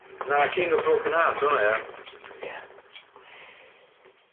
Na King of Broken Hearts o' wnna ia? Ia.